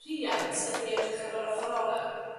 rhiant ydi edrych ar yr ochor ora'.